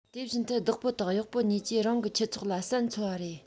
དེ བཞིན དུ བདག པོ དང གཡོག པོ གཉིས ཀྱིས རང གི ཁྱུ ཚོགས ལ ཟན འཚོལ བ རེད